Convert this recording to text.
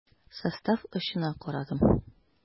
Состав очына карадым.